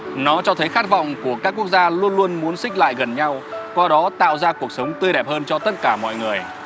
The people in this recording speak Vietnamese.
nó cho thấy khát vọng của các quốc gia luôn luôn muốn xích lại gần nhau qua đó tạo ra cuộc sống tươi đẹp hơn cho tất cả mọi người